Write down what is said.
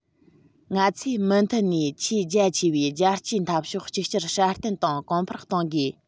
ང ཚོས མུ མཐུད ནས ཆེས རྒྱ ཆེ བའི རྒྱལ གཅེས འཐབ ཕྱོགས གཅིག གྱུར སྲ བརྟན དང གོང འཕེལ གཏོང དགོས